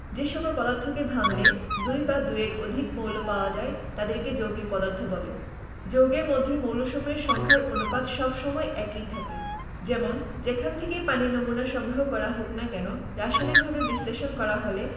যে সকল পদার্থকে ভাঙলে দুই বা দুইয়ের অধিক মৌল পাওয়া যায় তাদেরকে যৌগিক পদার্থ বলে যৌগের মধ্যে মৌলসমূহের সংখ্যার অনুপাত সব সময় একই থাকে যেমন যেখান থেকেই পানির নমুনা সংগ্রহ করা হোক না কেন রাসায়নিকভাবে বিশ্লেষণ করা হলে